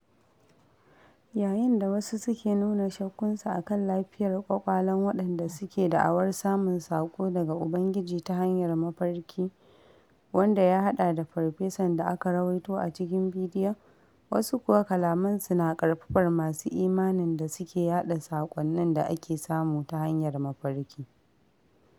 Yayin da wasu suke nuna shakkunsu a kan lafiyar ƙwaƙwalen waɗanda suke da'awar samun saƙo daga Ubangiji ta hanyar mafarki, wanda ya haɗa da Farfesan da aka rawaito a cikin bidiyon, wasu kuwa kalamansu na ƙarfafar masu imanin da suke yaɗa saƙonnin da aka samu ta hanyar mafarki.